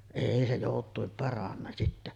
ei se joutuin paranna sitä